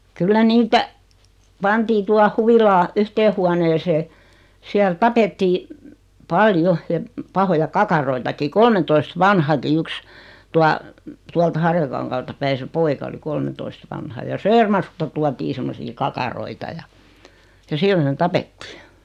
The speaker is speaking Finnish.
kyllä niitä pantiin tuohon huvilaan yhteen huoneeseen siellä tapettiin paljon ja pahoja kakaroitakin kolmentoista vanhakin yksi tuo tuolta Harjakankaalta päin se poika oli kolmentoista vanha ja Söörmarkusta tuotiin semmoisia kakaroita ja ja siihen ne tapettiin